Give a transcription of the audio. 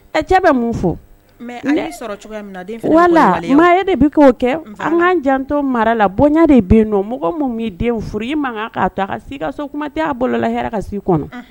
Ɛ cɛ bɛ mun fɔ mɛ la de bɛ k' kɛ an'an janto mara la bonya de bɛ nɔ mɔgɔ minnu b'i den furu i man to si ka so kuma tɛ y'a bolola hra ka si kɔnɔ